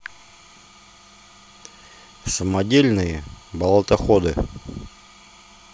самодельные болотоходы